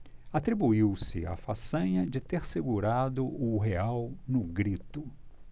atribuiu-se a façanha de ter segurado o real no grito